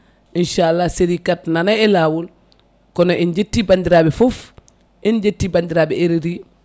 inchallah série 4 nana e lawol kono en jetti bandiraɓe foof en jetti bandiraɓe RRI